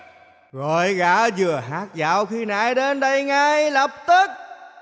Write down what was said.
gọi gã vừa hát dạo khi nãy đến đây ngay lập tức